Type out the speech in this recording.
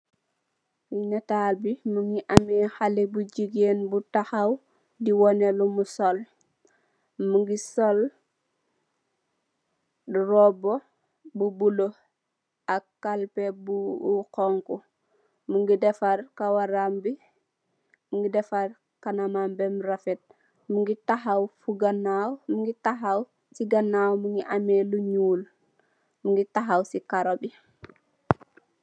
Nitaal bi mingi ame xale bu jigeen bu tahaw, di wane lum sol, mingi sol robo bu bule, ak kalpe bu xonxu, mingi defaar kawaram bi, mingi defaar kanamam be refet, mingi tahaw fu ganaaw, mingi tahaw si ganaaw mingi ame lu nyuul, mingi tahaw si karo bi